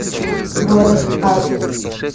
город аргус